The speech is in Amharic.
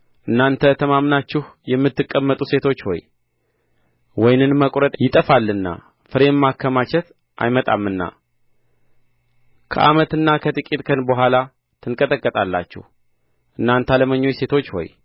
እናንተ ተማምናችሁ የምትቀመጡ ሴቶች ሆይ ወይንን መቍረጥ ይጠፋልና ፍሬም ማከማቸት አይመጣምና ከዓመትና ከጥቂት ቀን በኋላ ትንቀጠቀጣላችሁ እናንተ ዓለመኞች ሴቶች ሆይ